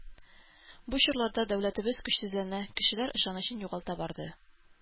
Бу чорларда дәүләтебез көчсезләнә, кешеләр ышанычын югалта барды.